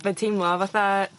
Mae'n teimlo fatha